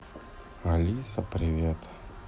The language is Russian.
алиса привет